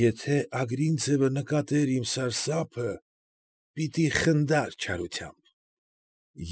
Եթե Ագրինցևը նկատեր իմ սարսափը, պիտի խնդար չարությամբ։